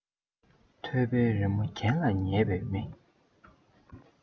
ཐོད པའི རི མོ གྱེན ལ ཡོད པའི མི